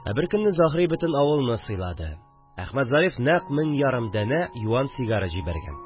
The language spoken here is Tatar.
Ә бер көнне Заһри бөтен авылны сыйлады: Әхмәтзариф нәкъ мең ярым дәнә юан сигара җибәргән